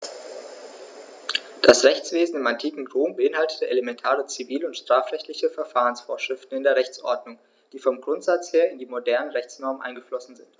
Das Rechtswesen im antiken Rom beinhaltete elementare zivil- und strafrechtliche Verfahrensvorschriften in der Rechtsordnung, die vom Grundsatz her in die modernen Rechtsnormen eingeflossen sind.